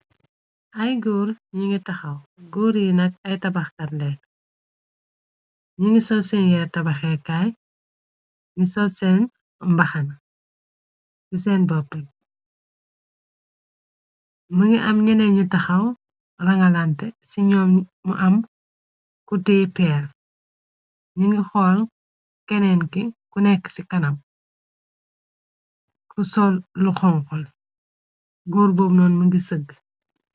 Ay góor ñi ngi taxaw góor yi nak ay tabax karleer ñi ngi sol seenyeer tabaxeekaay ni so seen mbaxana ci seen bopp më ngi am ñenee ñu taxaw rangalante ci ñoo mu am ku tee peer ñi ngi xool keneenki ku nekk ci kanab ku sol lu xonxol góor bom noon mëngi sëgg.